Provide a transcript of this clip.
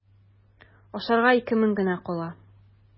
Ашарга ике мең генә кала.